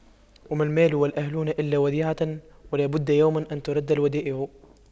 وما المال والأهلون إلا وديعة ولا بد يوما أن تُرَدَّ الودائع